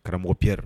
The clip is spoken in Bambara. Karamɔgɔ Pierre